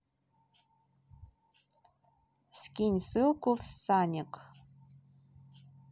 скинь ссылку в санек